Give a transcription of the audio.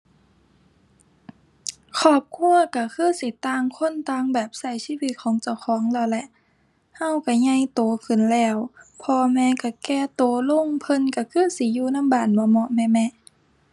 ครอบครัวก็คือสิต่างคนต่างแบบก็ชีวิตของเจ้าของแล้วแหละ ก็ก็ใหญ่โตขึ้นแล้ว พ่อแม่ก็แก่ก็ลง เพิ่นก็คือสิอยู่นำบ้านเมาะเมาะแมะแมะ